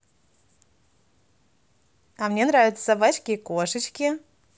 а мне нравятся собачки и кошечки